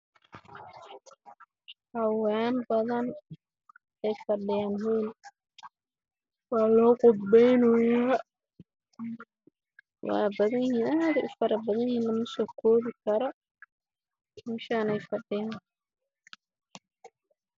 Haween badan oo fadhiyo hool aad bay ufara badn yihiin